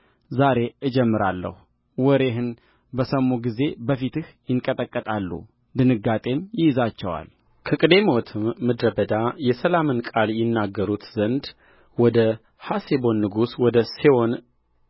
ዛሬ እጀምራለሁ ወሬህን በሰሙ ጊዜ በፊትህ ይንቀጠቀጣሉ ድንጋጤም ይይዛቸዋልከቅዴሞትም ምድረ በዳ የሰላምን ቃል ይነግሩት ዘንድ ወደ ሐሴቦን ንጉሥ ወደ ሴዎን